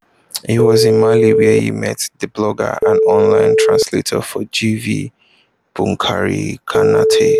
He was in Mali where he met the blogger and online translator for GV, Boukary Konaté.